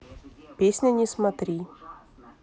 песня не смотри